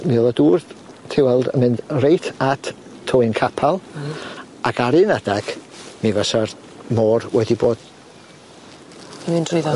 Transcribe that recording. Mi o'dd y dŵr ti weld yn mynd reit at Tywyn Capal. Hmm.Ac ar un adeg mi fysa'r môr wedi bod yn myn' drwyddo.